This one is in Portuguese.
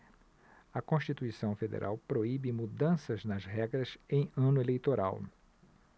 a constituição federal proíbe mudanças nas regras em ano eleitoral